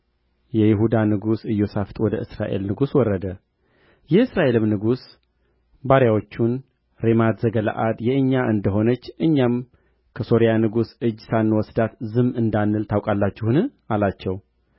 የይሁዳ ንጉሥ ኢዮሣፍጥ ወደ እስራኤል ንጉሥ ወረደ የእስራኤልም ንጉሥ ባሪያዎቹን ሬማት ዘገለዓድ የእኛ እንደ ሆነች እኛም ከሶርያ ንጉሥ እጅ ሳንወስዳት ዝም እንዳልን ታውቃላችሁን አላቸው